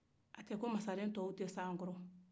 a tɛ ko masaren tɔw tɛ se an kɔrɔ